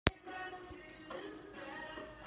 настя настя хочет настя настя настя девочка